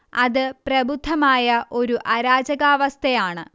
അത് പ്രബുദ്ധമായ ഒരു അരാജകാവസ്ഥയാണ്